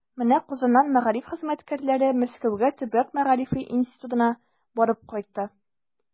Менә Казаннан мәгариф хезмәткәрләре Мәскәүгә Төбәк мәгарифе институтына барып кайтты.